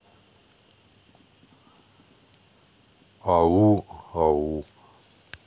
ау ау